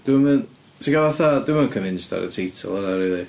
Dwi'm yn... tibod fatha dwi'm yn convinced ar y teitl yna rili.